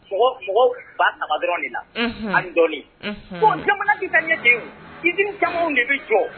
Ug ba saba dɔrɔn de na ani dɔɔninɔni bɔn jamana bɛ ka ɲɛ de i ni jamu de bɛ jɔ